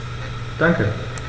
Danke.